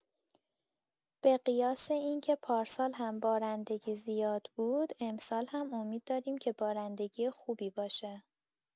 به قیاس این که پارسال هم بارندگی زیاد بود، امسال هم امید داریم که بارندگی خوبی باشه.